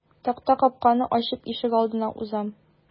Такта капканы ачып ишегалдына узам.